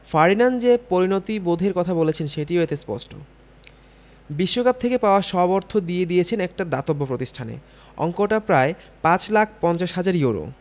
Ferdinand যে পরিণতিবোধের কথা বলেছেন সেটিও এতে স্পষ্ট বিশ্বকাপ থেকে পাওয়া সব অর্থ দিয়ে দিয়েছেন একটা দাতব্য প্রতিষ্ঠানে অঙ্কটা প্রায় ৫ লাখ ৫০ হাজার ইউরো